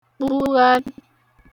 kpụgharị